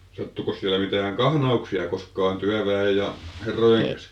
sattuikos siellä mitään kahnauksia koskaan työväen ja herrojen kesken